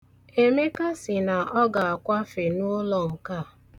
Emeka sị na ọ ga-akwafe n'ụlọ nke a.